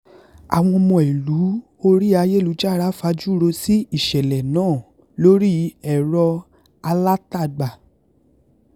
Àwọn ọmọ ìlú orí ayélujára fajúro sí ìṣẹ̀lẹ̀ náà lórí ẹ̀rọ alátagbà: